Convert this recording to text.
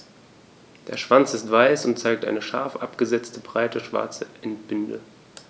Der Schwanz ist weiß und zeigt eine scharf abgesetzte, breite schwarze Endbinde.